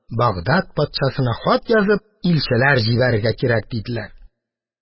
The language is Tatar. Багдад патшасына хат язып, илчеләр җибәрергә кирәк, – диделәр.